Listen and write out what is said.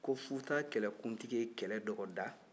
ko futa kɛlɛkuntigi ye kɛlɛ dɔgɔda